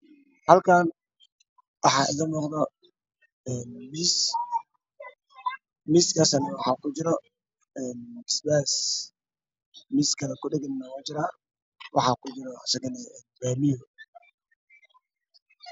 Een halkan waxaa iga muqda en miis miskan waxaa ku jira basbas miskale ku dhegana wuu jira waxaa ku jira bamiyo